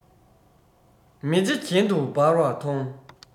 མེ ལྕེ གྱེན དུ འབར བ མཐོང